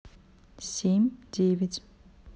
семь девять